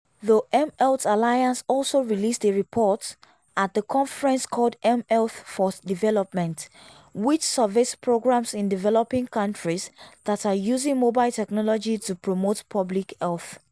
The mHealth Alliance also released a report at the conference called mHealth for Development, which surveys programs in developing countries that are using mobile technology to promote public health.